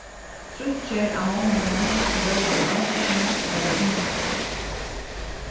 tríggir av monnunum sum vóru í vanlukkuni vórðu innlagdir